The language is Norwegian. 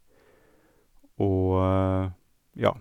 Og, ja.